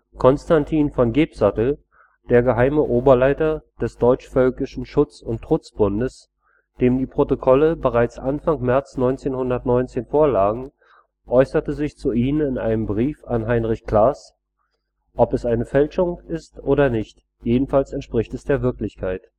Konstantin von Gebsattel, der geheime Oberleiter des Deutschvölkischen Schutz - und Trutzbundes, dem die Protokolle bereits Anfang März 1919 vorlagen, äußerte sich zu ihnen in einem Brief an Heinrich Claß: „ Ob es eine Fälschung ist oder nicht – jedenfalls entspricht es der Wirklichkeit